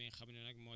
jërëjëf